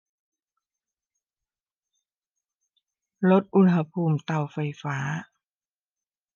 ลดอุณหภูมิเตาไฟฟ้า